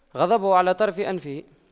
غضبه على طرف أنفه